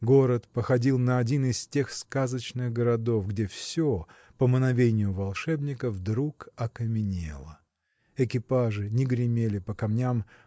Город походил на один из тех сказочных городов где все по мановению волшебника вдруг окаменело. Экипажи не гремели по камням